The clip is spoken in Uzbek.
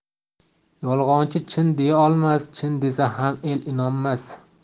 yolg'onchi chin deyaolmas chin desa ham el inonmas